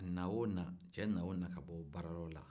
a na o na cɛ na o na ka bɔ baarayɔrɔ